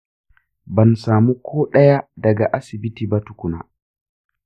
ban samu ko ɗaya daga asibiti ba tukuna.